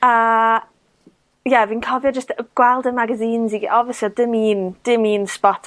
a ie, fi'n cofio jyst gweld y magazines i gy-... Obviously odd dim un dim un sbot